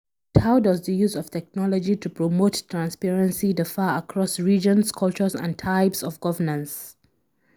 But how does the use of technology to promote transparency differ across regions, cultures, and types of governance?